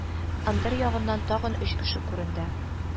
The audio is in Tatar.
Ындыр ягыннан тагы өч кеше күренде